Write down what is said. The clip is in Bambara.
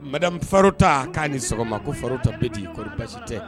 Mada fari ta k'a ni sɔgɔma ko fa ta bɛɛ d'i kɔrɔ basi tɛ